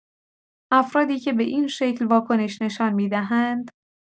افرادی که به این شکل واکنش نشان می‌دهند.